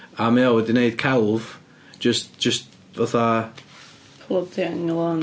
A mae o wedi wneud celf, jyst jyst fatha... plodding along.